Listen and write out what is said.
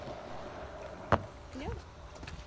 клево